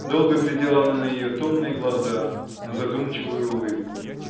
Долго глядела она на ее томные глаза, на задумчивую улыбку.